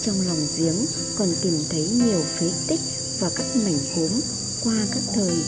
trong lòng giếng còn tìm thấy nhiều phế tích và các mảnh gốm qua các thời